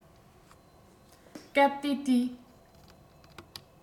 སྐབས དེ དུས